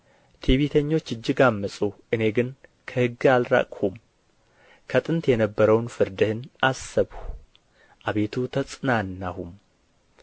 ትዕቢተኞች እጅግ ዐመፁ እኔ ግን ከሕግህ አልራቅሁም ከጥንት የነበረውን ፍርድህን አሰብሁ አቤቱ ተጽናናሁም